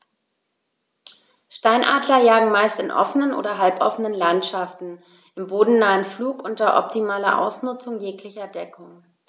Steinadler jagen meist in offenen oder halboffenen Landschaften im bodennahen Flug unter optimaler Ausnutzung jeglicher Deckung.